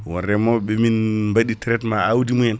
won reemoɓe ɓe min baaɗi traitement awdi mumen